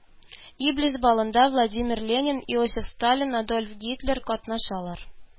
Иблис балында Владимир Ленин, Иосиф Сталин, Адольф Һитлер катнашалар